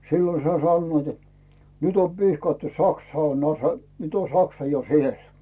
silloin sai sanoivat että nyt on pihkattu Saksa on - nyt on Saksa jo siellä